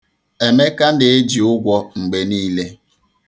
Emeka na-eji ụgwọ mgbe niile.